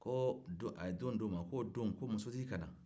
a ye don d'o ma ko don ko sotigi ka na